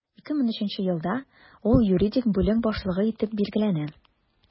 2003 елда ул юридик бүлек башлыгы итеп билгеләнә.